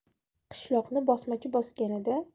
qishloqni bosmachi bosganida